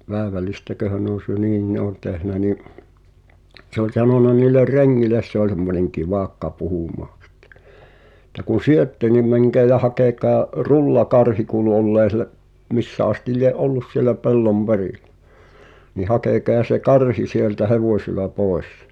päivällistäköhän ne on - niin ne on tehnyt niin se oli sanonut niille rengeille se oli semmoinen kivakka puhumaan sitten että kun syötte niin menkää ja hakekaa rullakarhi kuului olleen siellä missä asti lie ollut siellä pellon perillä niin hakekaa se karhi sieltä hevosilla pois